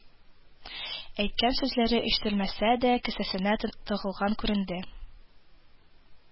Әйткән сүзләре ишетелмәсә дә кесәсенә тыгылганы күренде